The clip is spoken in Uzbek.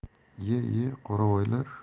iye iye qoravoylar